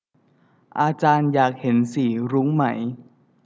อาจารย์อยากเห็นสีรุ้งมั้ย